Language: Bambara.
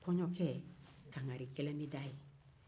kankagari gɛlɛn bɛ da kɔjɔkɛ ye